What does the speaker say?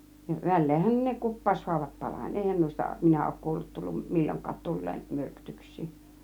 ja väleenhän ne kuppaushaavat parani eihän noista minä ole kuullut tullut milloinkaan tulleen myrkytyksiä